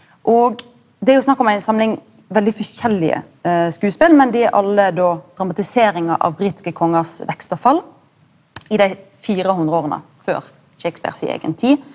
og det er jo snakk om ein samling veldig forskjellige skodespel men dei er alle då dramatiseringar av britiske kongars vekst og fall i dei 400 åra før Shakespeare si eiga tid.